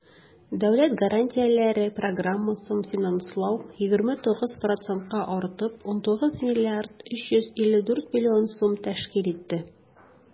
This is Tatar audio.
Дәүләт гарантияләре программасын финанслау 29 процентка артып, 19 млрд 354 млн сум тәшкил итте.